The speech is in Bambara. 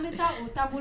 N bɛ taa u taabolo